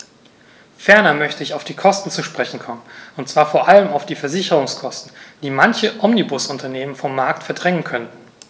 Ferner möchte ich auf die Kosten zu sprechen kommen, und zwar vor allem auf die Versicherungskosten, die manche Omnibusunternehmen vom Markt verdrängen könnten.